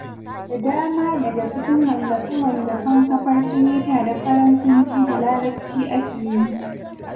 Da dama daga cikin wallafe-wallafen kafar tiwita da Faransanci da Larabci ake yi.